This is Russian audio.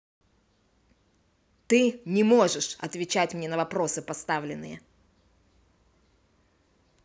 ты не можешь отвечать мне на вопросы поставленные